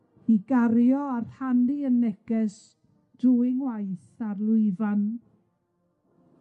i gario a rhannu 'yn neges drwy'n ngwaith ar lwyfan